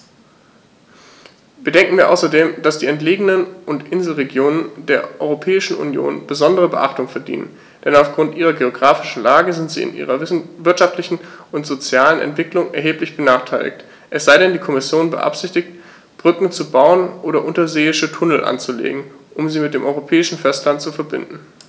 Bedenken wir außerdem, dass die entlegenen und Inselregionen der Europäischen Union besondere Beachtung verdienen, denn auf Grund ihrer geographischen Lage sind sie in ihrer wirtschaftlichen und sozialen Entwicklung erheblich benachteiligt - es sei denn, die Kommission beabsichtigt, Brücken zu bauen oder unterseeische Tunnel anzulegen, um sie mit dem europäischen Festland zu verbinden.